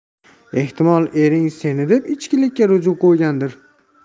ehtimol ering seni deb ichkilikka ruju qo'ygandir